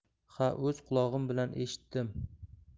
ha o'z qulog'im bilan eshitdim